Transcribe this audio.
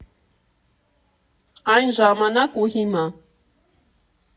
Այն ժամանակ ու հիմա։